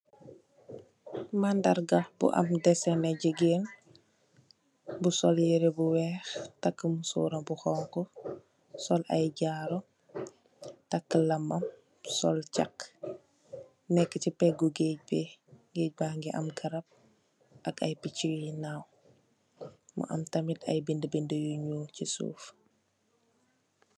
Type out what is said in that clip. Mandarga bu am deseneh jigeen bu sol yereh bu weex tak musoram bu xonxu sol ay jaaru takeu lamam sol chakeu nekeu ci pegeu geej bi geej bangi am garap ak ay pichi yi naaw mu am tamit ay bindi bindi yu nyool ci soof